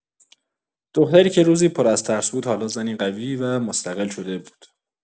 دختری که روزی پر از ترس بود، حالا زنی قوی و مستقل شده بود.